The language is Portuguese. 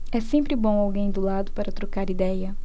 é sempre bom alguém do lado para trocar idéia